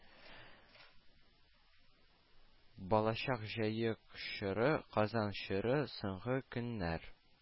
Балачак · Җаек чоры · Казан чоры · Соңгы көннәр